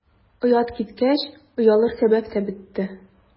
Оят киткәч, оялыр сәбәп тә бетте.